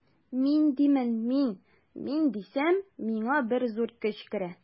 Мин димен мин, мин дисәм, миңа бер зур көч керә.